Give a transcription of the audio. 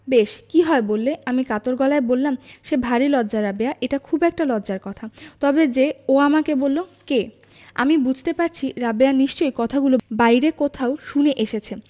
বেশ কি হয় বললে আমি কাতর গলায় বললাম সে ভারী লজ্জা রাবেয়া এটা খুব একটা লজ্জার কথা তবে যে ও আমাকে বললো কে আমি বুঝতে পারছি রাবেয়া নিশ্চয়ই কথাগুলো বাইরে কোথাও শুনে এসেছে